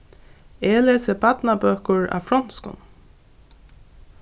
eg lesi barnabøkur á fronskum